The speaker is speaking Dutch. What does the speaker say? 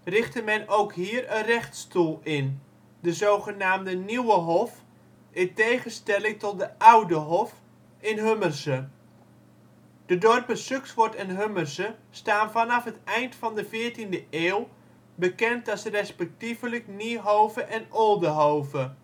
richtte men ook hier een rechtsstoel in, de zogenaamde Nieuwe Hof, in tegenstelling tot de Oude Hof in Hummerze. De dorpen Suxwort en Hummerze staan vanaf het eind van de 14e eeuw bekend als respectievelijk Niehove en Oldehove